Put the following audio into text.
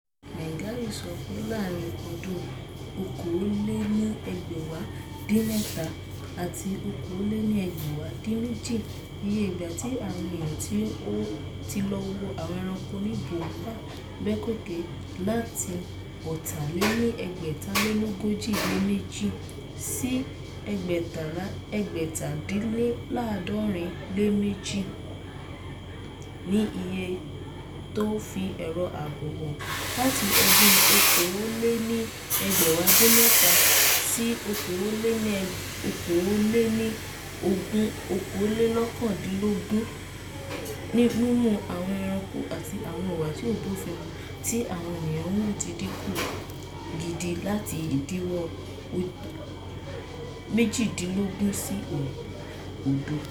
Meigari sọ pé láàárín ọdún 2017 àti 2018, iye ìgbà tí àwọn èèyàn ti lọ wo àwọn ẹranko ní Boumba Bek gòkè láti 8,562 sí 10,402, ní èyí tó fi èrò ààbò hàn: Láti ọdún 2017 sí 2021, mímú àwọn ẹranko àti àwọn ìwà tí ò bófinmu tí àwọn èèyàn ń hù ti dínkù gidi láti bí idíwọ̀n 18 sí 0.